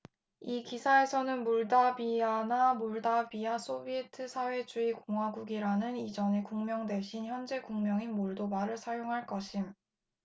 이 기사에서는 몰다비아나 몰다비아 소비에트 사회주의 공화국이라는 이전의 국명 대신 현재 국명인 몰도바를 사용할 것임